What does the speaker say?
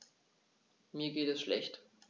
Mir geht es schlecht.